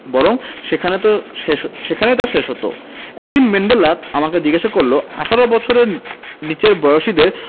বরং সেখানে ত সেখানে তা শেষ হতো একদিন ম্যান্ডেলা আমাকে জিজ্ঞেস করলেন ১৮ বছরের নিচের বয়সীদের